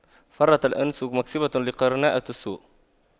فرط الأنس مكسبة لقرناء السوء